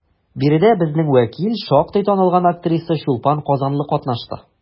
Биредә безнең вәкил, шактый танылган актриса Чулпан Казанлы катнашты.